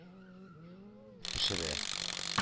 Пешерә